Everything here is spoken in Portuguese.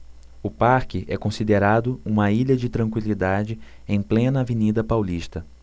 o parque é considerado uma ilha de tranquilidade em plena avenida paulista